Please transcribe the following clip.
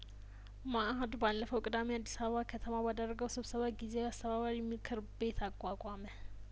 መአህድ ባለፈው ቅዳሜ አዲስ አበባ ከተማ ባደረገው ስብሰባ ጊዜያዊ አስተባባሪምክር ቤት አቋቋመ